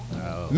wawaw